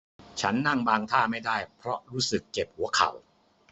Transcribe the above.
ฉันนั่งบางท่าไม่ได้เพราะรู้สึกเจ็บหัวเข่า